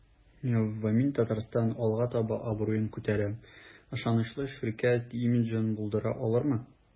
"вамин-татарстан” алга таба абруен күтәрә, ышанычлы ширкәт имиджын булдыра алырмы?